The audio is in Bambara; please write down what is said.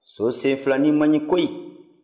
so senfilanin man ɲi koyi